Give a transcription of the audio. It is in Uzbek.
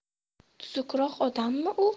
tuzukroq odammi u